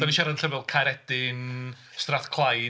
Dan ni'n siarad am llefydd fel Caeredin, Strathclyde?